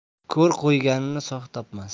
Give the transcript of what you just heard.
ko'r qo'yganini sog' topmas